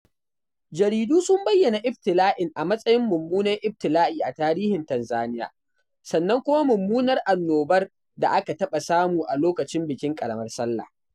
Jaridu sun bayyana ibtila'in a 'matsayin mummunan ibti'la'I a tarihin Tanzania' sannan kuma mummunar annobar da aka taɓa samu a lokacin bikin Ƙaramar Sallah''